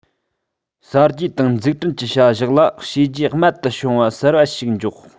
གསར བརྗེ དང འཛུགས སྐྲུན གྱི བྱ གཞག ལ བྱས རྗེས རྨད དུ བྱུང བ གསར པ ཞིག འཇོག